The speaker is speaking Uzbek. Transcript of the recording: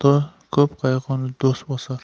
ko'p qayg'uni do'st bosar